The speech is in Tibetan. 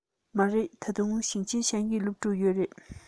མ རེད ད དུང ཞིང ཆེན གཞན གྱི སློབ ཕྲུག ཡོད རེད